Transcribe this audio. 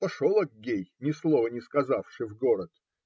Пошел Аггей, ни слова не сказавши, в город.